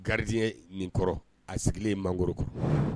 Gardien nin kɔrɔ a sigilen mangoro kɔrɔ